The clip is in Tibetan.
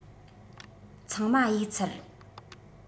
ཚང མ གཡུག ཚར